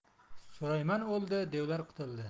sulaymon o'ldi devlar qutuldi